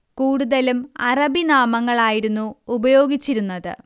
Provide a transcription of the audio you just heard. കൂടുതലും അറബി നാമങ്ങൾ ആയിരുന്നു ഉപയോഗിച്ചിരുന്നത്